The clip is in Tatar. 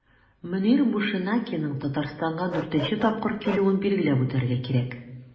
Мөнир Бушенакиның Татарстанга 4 нче тапкыр килүен билгеләп үтәргә кирәк.